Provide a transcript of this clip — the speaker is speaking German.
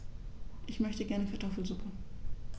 Ich möchte gerne Kartoffelsuppe.